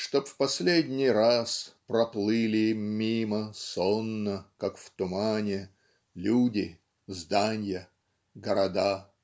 Чтоб в последний раз проплыли Мимо сонно как в тумане Люди зданья города.